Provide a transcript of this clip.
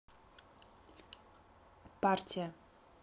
партия